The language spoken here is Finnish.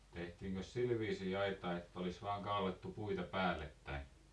tehtiinkös sillä viisiin aitaa että olisi vain kaadettu puita päällekkäin